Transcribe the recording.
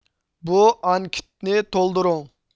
بۇ ئانكىىتنى تولدۇرۇڭ